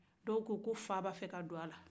dɔw ko fa bɛna don a la